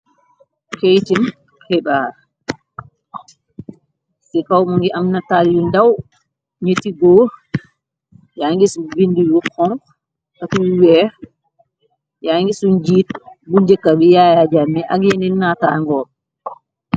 Kaytin hebar ci kawm ngi am nataal yu ndaw ñeti góor yaay ngisu bind yu xong takuy weex yaay ngi su njiit bu njëkka bi yaaya jammi ak yeneen nataangoom.